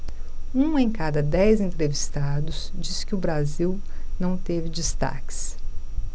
um em cada dez entrevistados disse que o brasil não teve destaques